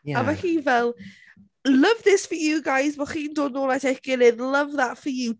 A ma' hi fel "Love this for you guys, bo' chi'n dod nôl at eich gilydd. Love that for you"...